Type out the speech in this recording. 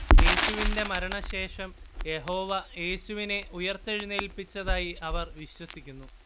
യേശുവിന്റെ മരണശേഷം യഹോവ യേശുവിനെ ഉയർത്തെഴുന്നേൽപ്പിച്ചതായി അവർ വിശ്വസിക്കുന്നു